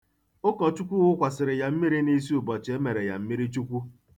Ụkọchukwu wụkwasịrị ya mmiri n'isi ụbọchị e mere ya mmiri chukwu.